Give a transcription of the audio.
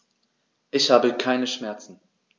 Ich habe keine Schmerzen.